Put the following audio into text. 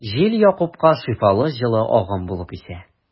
Җил Якупка шифалы җылы агым булып исә.